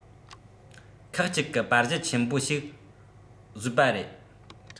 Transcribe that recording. ཁག གཅིག གི པར གཞི ཆེན པོ ཞིག བཟོས པ རེད